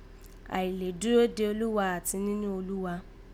Àì lè dúró dè Olúwa àti nínú Olúwa